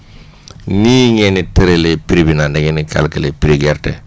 nii ngeen di tëralee prix bi naan da ngeen di calculer prix gerte